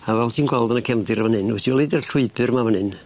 A fel ti'n gweld yn y cefndir yn fan 'yn wyt ti yr llwybyr 'ma fan 'yn.